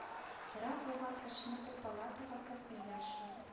Тора алган кешене бу палатага кертмиләр шул